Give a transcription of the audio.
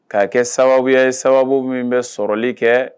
Ka' kɛ sababuya ye sababu min bɛ sɔrɔli kɛ